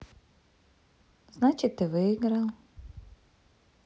значит ты выиграл